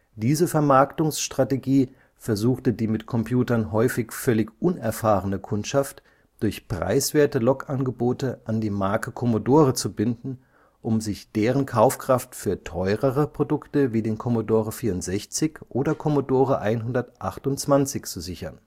Diese Vermarktungsstrategie versuchte die mit Computern häufig völlig unerfahrene Kundschaft durch preiswerte Lockangebote an die Marke Commodore zu binden, um sich deren Kaufkraft für teurere Produkte wie den Commodore 64 oder Commodore 128 zu sichern